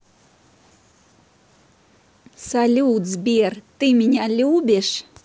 салют сбер ты меня любишь